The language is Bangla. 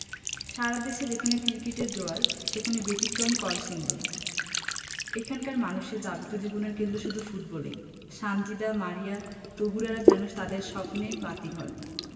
সারা দেশে যেখানে ক্রিকেটের জোয়ার সেখানে ব্যতিক্রম কলসিন্দুর এখানকার মানুষের যাপিত জীবনের কেন্দ্র শুধু ফুটবলই সানজিদা মারিয়া তহুরারা যেন তাদের স্বপ্নের বাতিঘর